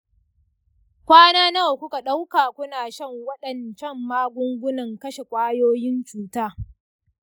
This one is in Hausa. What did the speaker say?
kwana nawa kuka dauka kuna shan wadancan magungunan kashe kwayoyin cuta